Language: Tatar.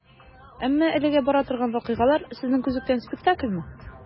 Әмма әлегә бара торган вакыйгалар, сезнең күзлектән, спектакльмы?